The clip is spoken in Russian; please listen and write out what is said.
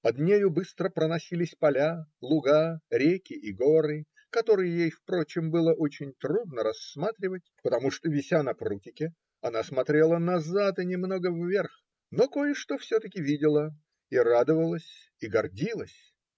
Под нею быстро проносились поля, луга, реки и горы, которые ей, впрочем, было очень трудно рассматривать, потому что, вися на прутике, она смотрела назад и немного вверх, но кое-что все-таки видела и радовалась и гордилась.